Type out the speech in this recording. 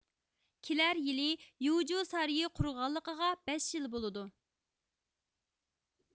كېلەر يىلى يوجيۇ سارىيى قۇرۇلغانلىقىغا بەش يىل بولىدۇ